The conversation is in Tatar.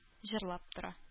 Җырлап тора